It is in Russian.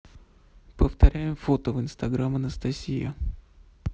повторяем фото в инстаграм анастасия